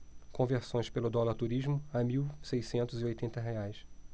conversões pelo dólar turismo a mil seiscentos e oitenta reais